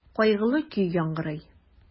Кайгылы көй яңгырый.